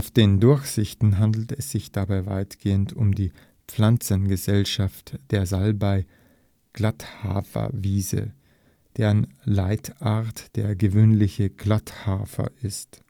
den Durchsichten handelt es sich dabei weitgehend um die Pflanzengesellschaft der Salbei-Glatthafer-Wiese, deren Leitart der Gewöhnliche Glatthafer ist